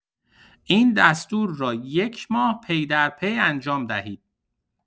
این دستور را یک ماه پی در پی انجام دهید.